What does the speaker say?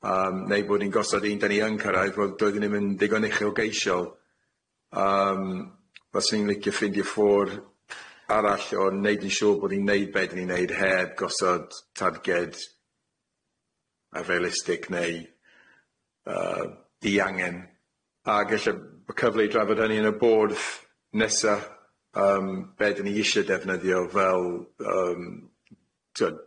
Yym neu' bod ni'n gosod un dan ni yn cyrraedd wel doeddwn i'm yn digon uchelgeisiol yym fyswn i'n licio ffindio ffordd arall o neud yn siŵr bod ni'n neud be' dan ni'n neud heb gosod targed afrealistic neu' yy diangen ag ella bo' cyfle i drafod hynny yn y board ff- nesa yym be' dan ni isie defnyddio fel yym t'wod